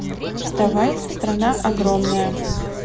вставай страна огромная